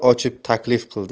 ochib taklif qildi